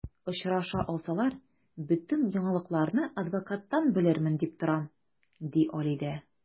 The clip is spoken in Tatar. Очраша алсалар, бөтен яңалыкларны адвокаттан белермен дип торам, ди Алидә.